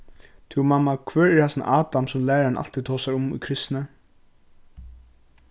tú mamma hvør er hasin adam sum lærarin altíð tosar um í kristni